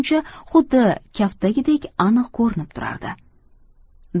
ketguncha xuddi kaftdagidek aniq ko'rinib turardi